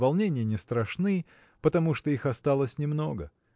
волнения не страшны, потому что их осталось немного